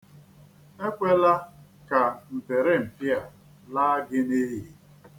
Ekwela ka mpịrịmpị a laa gị n'iyi.